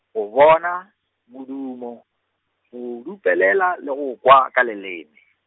go bona, modumo, go dupelela, le go kwa ka leleme.